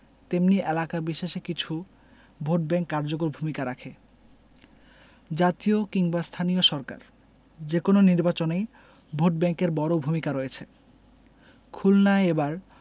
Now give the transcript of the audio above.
তেমনি এলাকা বিশেষে কিছু ভোটব্যাংক কার্যকর ভূমিকা রাখে জাতীয় কিংবা স্থানীয় সরকার যেকোনো নির্বাচনেই ভোটব্যাংকের বড় ভূমিকা রয়েছে খুলনায় এবার